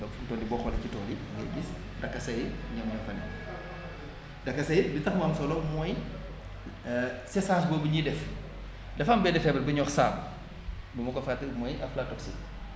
donc fi mu toll nii boo xoolee ci tool yi ngay gis dakasa yi ñoom ñoo fa nekk dakasa yi li tax mu am solo mooy séchage boobu ñuy def dafa am benn feebar bu ñuy wax saabu bu ma ko fàttewul mooy aflatoxine